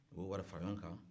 u be wari fanaɲɔgɔn kan